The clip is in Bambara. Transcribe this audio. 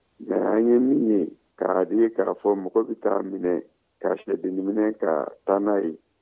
mais an ye min ye k'a ye k'a fɔ ko mɔgɔ bɛ taa a minɛ ka syɛdenninminɛ ka taa n'a ye